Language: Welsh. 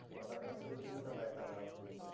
Chimod, na- wnaethon nhw cyfunno fe 'da fel rhyw...